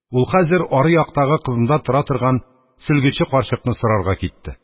Ул хәзер ары яктагы кызында тора торган сөлгече карчыкны сорарга китте.